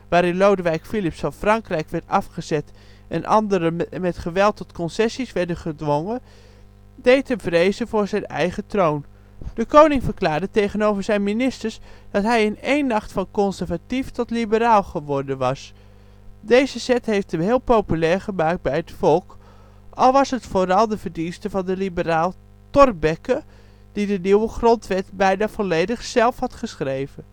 waarin Lodewijk Filips van Frankrijk werd afgezet en anderen met geweld tot concessies werden gedwongen deed hem vrezen voor zijn eigen troon. De koning verklaarde tegenover zijn ministers dat hij in één nacht van conservatief tot liberaal geworden was. Deze zet heeft hem heel populair gemaakt bij het volk, al was het vooral de verdienste van de liberaal Thorbecke die de nieuwe grondwet bijna volledig zelf had geschreven